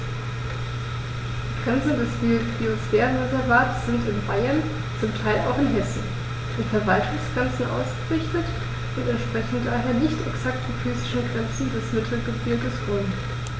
Die Grenzen des Biosphärenreservates sind in Bayern, zum Teil auch in Hessen, an Verwaltungsgrenzen ausgerichtet und entsprechen daher nicht exakten physischen Grenzen des Mittelgebirges Rhön.